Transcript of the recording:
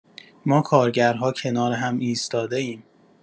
ما کارگرها کنار هم ایستاده‌ایم.